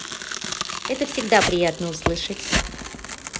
это всегда приятно услышать